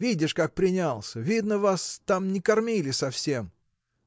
Видишь, как принялся; видно, вас там не кормили совсем.